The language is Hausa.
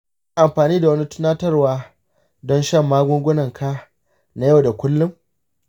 shin kana amfani da wani tunatarwa don shan magungunanka na yau da kullum?